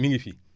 mi ngi fi